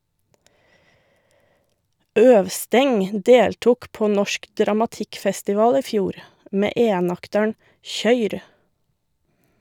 Øvsteng deltok på Norsk Dramatikkfestival i fjor, med enakteren "Køyr!".